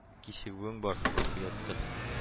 Кичегүең бар, диеп уятты